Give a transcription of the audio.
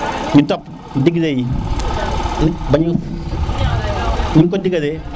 ñun tam ñu ligey ni ñuko digale